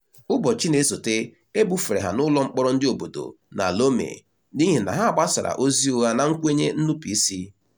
Ụbọchị na-esota, e bufere ha n'ụlọ mkpọrọ ndị obodo na Lome n'ihi na ha gbasara ozi ụgha na nkwanye nnupụisi.